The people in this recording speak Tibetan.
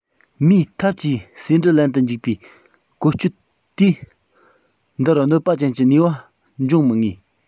མིའི ཐབས ཀྱིས ཟེའུ འབྲུ ལེན དུ འཇུག པའི བཀོལ སྤྱོད དེས འདི རུ གནོད པ ཅན གྱི ནུས པ འབྱུང མི ངེས